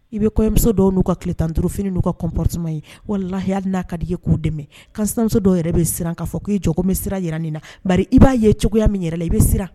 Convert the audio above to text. I bɛ kɔɲɔmuso dɔw n'u ka tiletanniduurufini n'u ka comportement ye, walahi hali n'a ka d'i ye k'u dɛmɛ, kansinamuso dɔw yɛrɛ bɛ siran k'a fɔ k' i jɔ ko n bɛ sira jira nin na. Bari i b'a ye cogoya min yɛrɛ la, i bɛ siran.